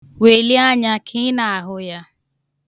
Welie anya ka ị na-ahụ ya.